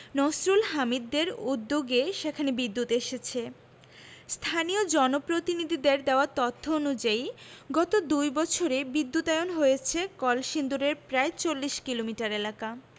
নসরুল হামিদদের উদ্যোগে সেখানে বিদ্যুৎ এসেছে স্থানীয় জনপ্রতিনিধিদের দেওয়া তথ্য অনুযায়ী গত দুই বছরে বিদ্যুতায়ন হয়েছে কলসিন্দুরের প্রায় ৪০ কিলোমিটার এলাকা